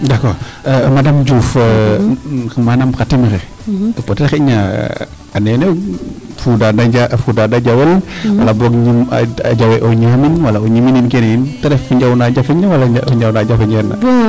D' accord madame Diouf manaam xa tim axe peut etre xayna a neew neew fuuda de jawel wala boog a jawe o ñaamin wala o ñimiin keene yiin ta ref njawna jafeñ na wala njawna jafeñeerna .